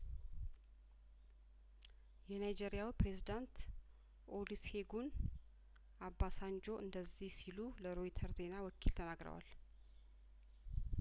የናይጄሪያው ፕሬዚዳንት ኦሉሴጉን አባ ሳንጆ እንደዚህ ሲሉ ለሮይተር ዜና ወኪል ተናግረዋል